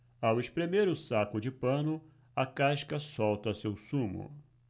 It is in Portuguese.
ao espremer o saco de pano a casca solta seu sumo